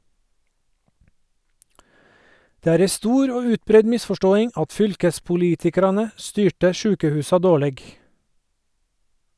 Det er ei stor og utbreidd misforståing at fylkespolitikarane styrde sjukehusa dårleg.